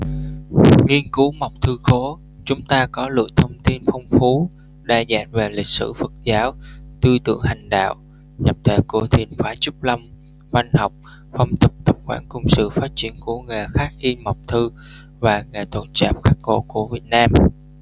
nghiên cứu mộc thư khố chúng ta có lượng thông tin phong phú đa dạng về lịch sử phật giáo tư tưởng hành đạo nhập thế của thiền phái trúc lâm văn học phong tục tập quán cùng sự phát triển của nghề khắc in mộc thư và nghệ thuật chạm khắc gỗ của việt nam